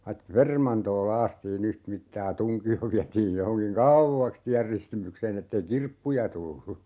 vaiti permantoa laastiin yhtä mittaa ja tunkio vietiin johonkin kauaksi tienristimykseen että ei kirppuja tullut